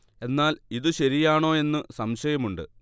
എന്നാൽ ഇതു ശരിയാണോ എന്നു സംശയമുണ്ട്